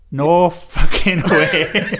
No fuckin' way